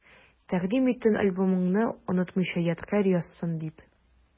Тәкъдим иттең альбомыңны, онытмыйча ядкарь язсын дип.